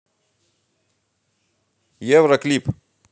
евро клип